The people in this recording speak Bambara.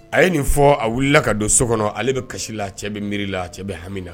A ye nin fɔ a wilila ka don so kɔnɔ. Ale bɛ kasi la, a cɛ bɛ miiri la, a cɛ bɛ hami na